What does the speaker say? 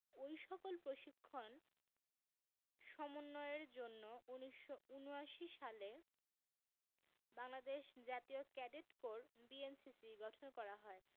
ওই সকল প্রশিক্ষণ সমন্বয়ের জন্য ১৯৭৯ সালে বাংলাদেশ জাতীয় ক্যাডেট কোর বিএনসিসি গঠন করা হয়